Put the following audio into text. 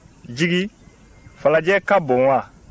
jigi falajɛ ka bon wa